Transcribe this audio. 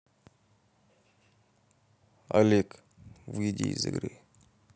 олег выйди из игры